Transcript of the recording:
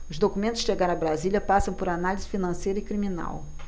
os documentos que chegaram a brasília passam por análise financeira e criminal